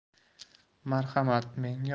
marhamat menga oddiy xat